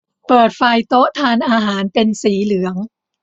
เปิดไฟโต๊ะทานอาหารเป็นสีเหลือง